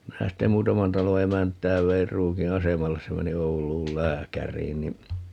minä sitten muutaman talon emäntää vein Ruukin asemalle se meni Ouluun lääkäriin niin